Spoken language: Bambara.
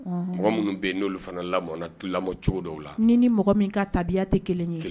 Mɔgɔ minnu bɛ yen n'olu fana lamɔ lamɔ cogo dɔw la ni ni mɔgɔ min ka tabiya tɛ kelen ɲɛ kelen